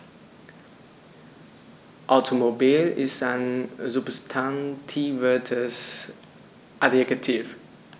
Automobil ist ein substantiviertes Adjektiv.